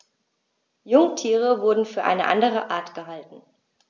Jungtiere wurden für eine andere Art gehalten.